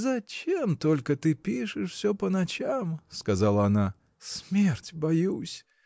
— Зачем только ты пишешь всё по ночам? — сказала она. — Смерть — боюсь.